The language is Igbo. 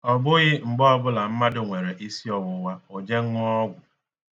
Ọ bụghị mgbe ọbụla mmadụ nwere isiọwụwa, o je ṅụọ ọgwụ.